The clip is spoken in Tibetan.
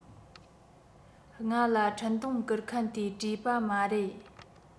ང ལ འཕྲིན ཐུང བསྐུར མཁན དེས བྲིས པ མ རེད